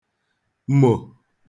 mò